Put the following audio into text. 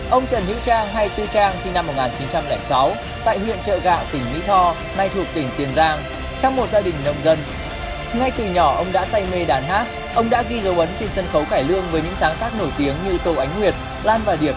ông trần hữu trang hay tư trang sinh năm một ngàn chín trăm lẻ sáu tại huyện chợ gạo tỉnh mỹ tho nay thuộc tỉnh tiền giang trong một gia đình nông dân ngay từ nhỏ ông đã say mê đàn hát ông đã ghi dấu ấn trên sân khấu cải lương với những sáng tác nổi tiếng như tô ánh nguyệt lan và điệp